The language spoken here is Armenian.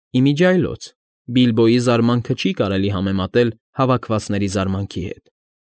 Ի միջի այլոց Բիլբոյի զարմանքը չի կարելի համեմատել հավաքվածների զարմանքի հետ։